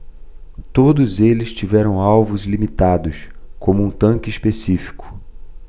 todos eles tiveram alvos limitados como um tanque específico